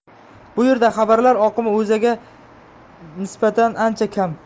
bu yerda xabarlar oqimi o'zaga nisbatan ancha kam